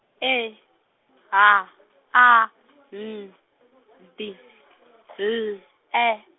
E H A N D L E.